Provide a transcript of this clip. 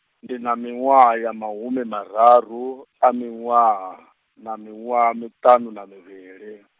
ndi na miṅwaha ya mahumimararu, a miṅwaha, namiṅwaha miṱanu na mivhili.